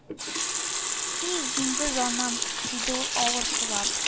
– и-и-и, зиңги заным, – диде ул, авыр сулап